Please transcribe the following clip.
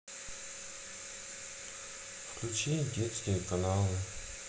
включи детские каналы